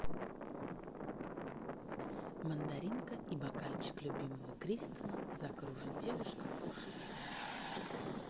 мандаринка и бокальчик любимого кристалла закружит девушка пушистая